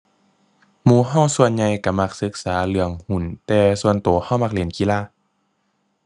หมู่เราส่วนใหญ่เรามักศึกษาเรื่องหุ้น แต่ส่วนเราเรามักเล่นกีฬา